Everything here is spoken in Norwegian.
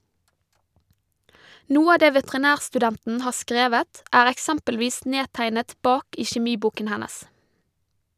Noe av det veterinærstudenten har skrevet, er eksempelvis nedtegnet bak i kjemiboken hennes.